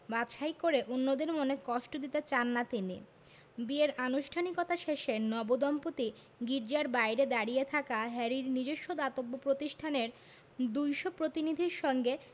বাছাই করে অন্যদের মনে কষ্ট দিতে চান না তিনি বিয়ের আনুষ্ঠানিকতা শেষে নবদম্পতি গির্জার বাইরে দাঁড়িয়ে থাকা হ্যারির নিজস্ব দাতব্য প্রতিষ্ঠানের ২০০ প্রতিনিধির সঙ্গে